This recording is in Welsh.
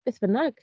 Beth bynnag.